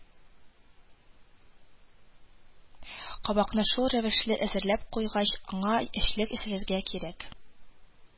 Кабакны шул рәвешле әзерләп куйгач, аңа эчлек әзерләргә кирәк